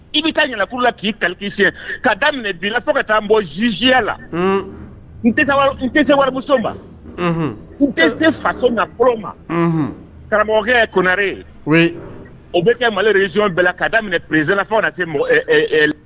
I bɛ taa la k' ka daminɛ la fo ka taa bɔ ziziya la n tɛ wariso ma n tɛ faso nafolo ma karamɔgɔkɛ ye konare ye o bɛ kɛ mali desonɔn bɛɛ la ka daminɛ psi fo se